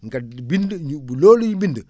nga bind ñu bu loolu ñu bind